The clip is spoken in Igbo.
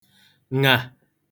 ṅà